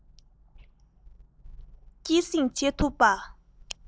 སྐྱེད སྲིང བྱེད ཐུབ པ